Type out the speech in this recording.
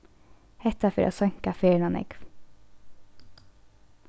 hetta fer at seinka ferðina nógv